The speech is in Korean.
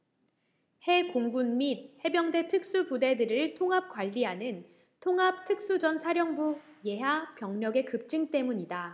해 공군및 해병대 특수부대들을 통합 관리하는 통합특수전사령부 예하 병력의 급증 때문이다